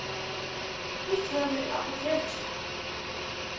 hitt hølið er apotekið